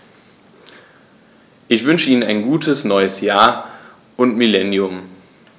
Ich wünsche Ihnen ein gutes neues Jahr und Millennium.